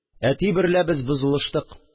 Әти берлә без бозылыштык